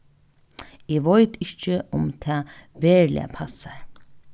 eg veit ikki um tað veruliga passar